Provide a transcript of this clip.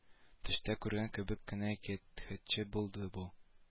Төштә күргән кебек кенә әкияттәһечә булды бу